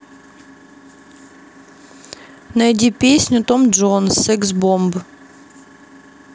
найди песню том джонс секс бомб